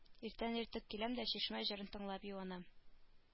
Иртән-иртүк киләм дә чишмә җырын тыңлап юынам